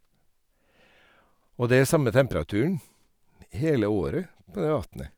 Og det er samme temperaturen hele året på det vatnet.